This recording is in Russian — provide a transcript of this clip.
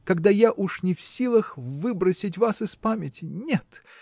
когда я уж не в силах выбросить вас из памяти. нет!